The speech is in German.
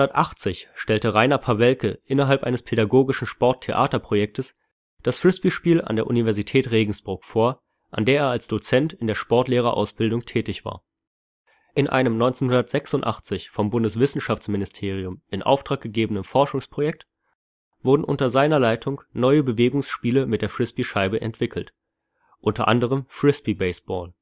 1980 stellte Rainer Pawelke innerhalb eines pädagogischen Sporttheaterprojektes das Frisbee-Spiel an der Universität Regensburg vor, an der er als Dozent in der Sportlehrerausbildung tätig war. In einem 1986 vom Bundeswissenschaftsministerium in Auftrag gegebenen Forschungsprojekt wurden unter seiner Leitung neue Bewegungsspiele mit der Frisbeescheibe entwickelt, u. a. Frisbee-Baseball